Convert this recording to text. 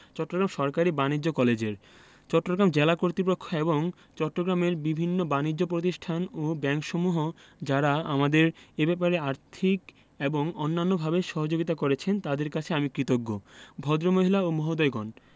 চট্টগ্রাম সরকারি বাণিজ্য কলেজের চট্টগ্রাম জেলা কর্তৃপক্ষ এবং চট্টগ্রামের বিভিন্ন বানিজ্য প্রতিষ্ঠান ও ব্যাংকসমূহ যারা আমাদের এ ব্যাপারে আর্থিক এবং অন্যান্যভাবে সহযোগিতা করেছেন তাঁদের কাছে আমি কৃতজ্ঞ ভদ্রমহিলা ও মহোদয়গণ